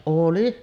oli